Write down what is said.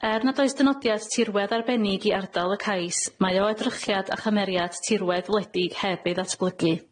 Er nad oes dynodiad tirwedd arbennig i ardal y cais mae o edrychiad a chymeriad tirwedd wledig heb ei ddatblygu.